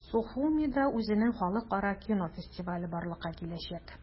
Сухумида үзенең халыкара кино фестивале барлыкка киләчәк.